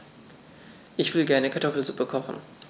Ich will gerne Kartoffelsuppe kochen.